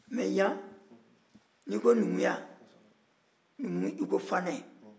nka yan n'i ko numuya i ko fanɛ